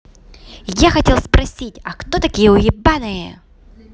я хотел спросить а кто такие уебаны